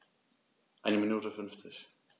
Eine Minute 50